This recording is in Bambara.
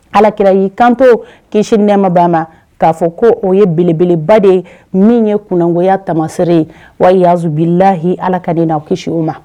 Alakira y'i kanto kisi ni nɛɛma b'a ma ka fɔ ko o ye belebeleba de ye min ye kunangoya tamasere ye Ala ka ne n'aw kisi o ma